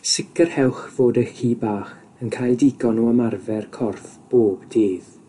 Sicrhewch fod eich ci bach yn cael digon o ymarfer corff bob dydd.